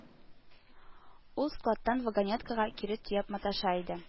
Ул складтан вагонеткага тире төяп маташа иде